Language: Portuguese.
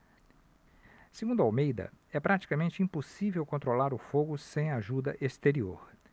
segundo almeida é praticamente impossível controlar o fogo sem ajuda exterior